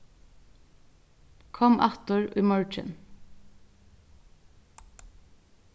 kom aftur í morgin